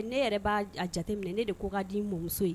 Ne yɛrɛ b'a jateminɛ ne de ko ka di n mɔmuso ye